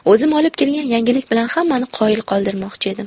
o'zim olib kelgan yangilik bilan hammani qoyil qoldirmoqchi edim